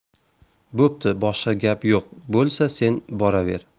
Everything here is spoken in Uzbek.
bo'pti boshqa gap yo'q bo'lsa sen boraver